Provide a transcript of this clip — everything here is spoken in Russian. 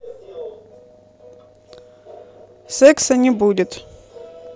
секса не будет